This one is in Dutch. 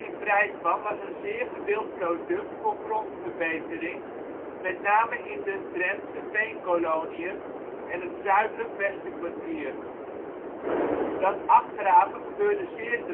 vrij kwam was een zeer gewild product voor grondverbetering, met name in de Drentse Veenkoloniën en het Zuidelijk Westerkwartier. Dat afgraven gebeurde zeer